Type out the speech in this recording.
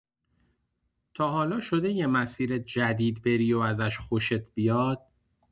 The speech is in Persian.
تا حالا شده یه مسیر جدید بری و ازش خوشت بیاد؟